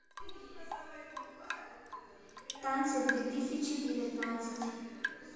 танец две тысячи девятнадцать